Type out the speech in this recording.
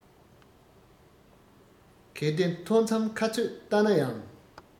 གལ ཏེ མཐོ འཚམས ཁ ཚོད ལྟ ན ཡང